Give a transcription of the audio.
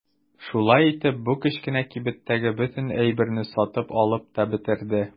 Шулай итеп бу кечкенә кибеттәге бөтен әйберне сатып алып та бетерде.